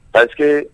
Pa